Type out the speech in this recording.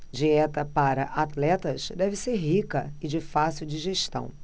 dieta para atletas deve ser rica e de fácil digestão